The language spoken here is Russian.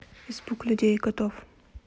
испуг людей и котов